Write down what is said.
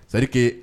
Seke